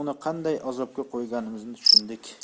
azobga qo'yganimizni tushundik